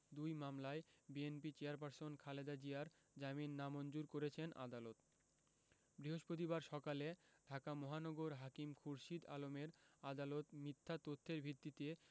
দুই মামলায় বিএনপির চেয়ারপারসন খালেদা জিয়ার জামিন নামঞ্জুর করেছেন আদালত বৃহস্পতিবার সকালে ঢাকা মহানগর হাকিম খুরশীদ আলমের আদালত মিথ্যা তথ্যের ভিত্তিতে